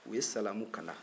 u ye salamu kanda